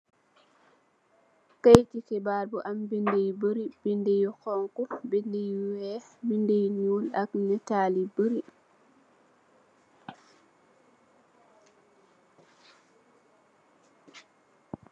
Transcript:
Keyetti xibaar yu am binduh yu barri. Binduh yu xonxo, binduh yu weex, binduh yu ñuul ak netaal yu barri.